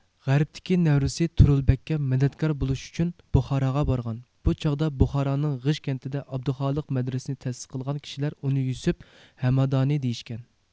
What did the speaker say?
غەربتىكى نەۋرىسى تۇرۇلبەگكە مەدەتكار بولۇش ئۈچۈن بۇخاراغا بارغان بۇ چاغدا بۇخارانىڭ غىژ كەنتىدە ئابدۇخالىق مەدرىسىنى تەسىس قىلغان كىشىلەر ئۇنى يۈسۈپ ھەمەدانى دېيىشكەن